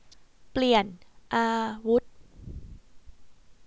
เปลี่ยนอาวุธ